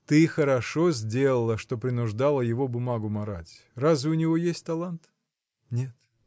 – Ты хорошо делала, что принуждала его бумагу марать! разве у него есть талант? – Нет.